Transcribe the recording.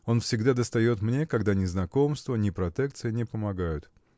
Он всегда достает мне, когда ни знакомство, ни протекция не помогают.